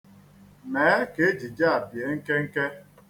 Mee ka ejije a bie nkenke.